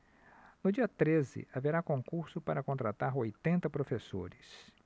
no dia treze haverá concurso para contratar oitenta professores